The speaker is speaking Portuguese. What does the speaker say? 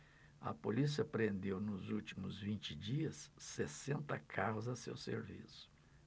a polícia apreendeu nos últimos vinte dias sessenta carros a seu serviço